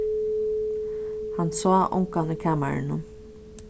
hann sá ongan í kamarinum